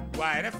Wa yɛrɛ